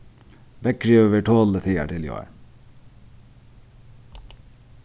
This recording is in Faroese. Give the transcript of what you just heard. veðrið hevur verið toluligt higartil í ár